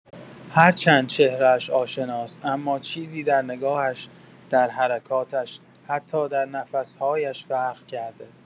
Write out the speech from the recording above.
هرچند چهره‌اش آشناست، اما چیزی در نگاهش، در حرکاتش، حتی در نفس‌هایش فرق کرده.